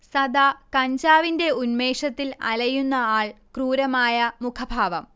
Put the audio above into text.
സദാ കഞ്ചാവിന്റെ ഉന്മേഷത്തിൽ അലയുന്ന ആൾ ക്രൂരമായ മുഖഭാവം